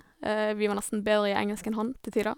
Vi var nesten bedre i engelsk enn han, til tider.